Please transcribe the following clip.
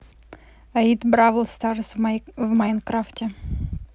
аид бравл старс в майнкрафте